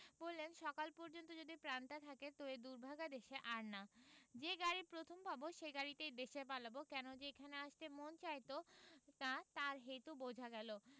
বললেন সকাল পর্যন্ত যদি প্রাণটা থাকে ত এ দুর্ভাগা দেশে আর না যে গাড়ি প্রথমে পাব সেই গাড়িতে দেশে পালাব কেন যে এখানে আসতে মন চাইত না তার হেতু বোঝা গেল